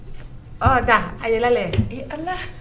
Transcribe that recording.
A yɛlɛ ala